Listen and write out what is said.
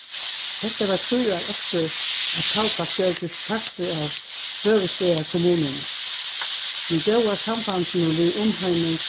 hetta var trý ár eftir at kaldbak gjørdist partur av høvuðsstaðarkommununi við góða sambandinum við umheimin